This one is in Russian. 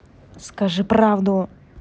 скажи правду